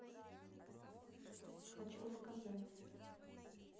хочу сказать